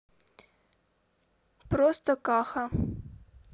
просто каха